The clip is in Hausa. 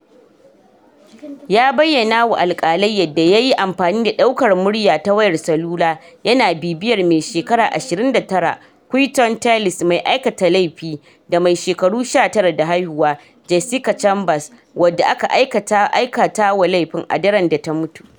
Ya bayyana wa alkalai yadda ya yi amfani da daukar murya ta wayar salula yana bibiyar mai shekaru 29 Quinton Tellis mai aikata laifi da mai shekaru 19 da haihuwa, Jessica Chambers wadda aka aikata wa laifin, a daren da ta mutu.